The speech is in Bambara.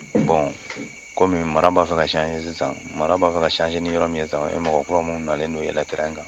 Bɔn kɔmi mara b'a fɛ ka s ye sisan mara b'a fɛ ka scɛnnin yɔrɔ min ye sisan e mɔgɔ kura minnu nalen'o yetɛ kan